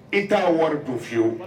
I t'a wari dun fiyewu